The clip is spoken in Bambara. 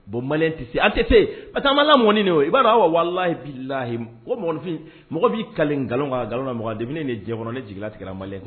Bon malien tɛ se an tɛ se parce que an ma lamɔn ni nin ye i b'a dɔn Awa walaye bilahi nko mɔgɔninfin mɔgɔ b'i kale nkalonkan ka nkalon da mɔgɔ la depuis ne ye nin diɲɛ kɔnɔ ne jiginlatigɛra malien na.